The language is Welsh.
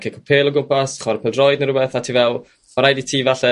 cico pêl o gwmpas chware pêl-droed neu rhywbeth? A ti fel ma'n rhaid i ti falle